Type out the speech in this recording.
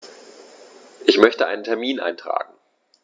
Ich möchte einen Termin eintragen.